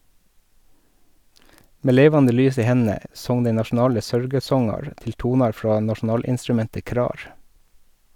Med levande lys i hendene song dei nasjonale sørgesongar til tonar frå nasjonalinstrumentet krar.